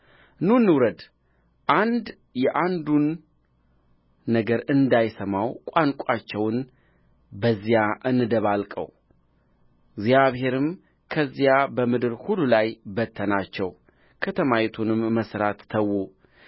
ኑ እንውረድ አንዱ የአንዱን ነገር እንዳይሰማው ቋንቋቸውን በዚያ እንደባልቀው እግዚአብሔርም ከዚያ በምድር ሁሉ ላይ በተናቸው ከተማይቱንም መሥራት ተዉ